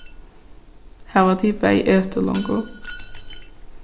hava tit bæði etið longu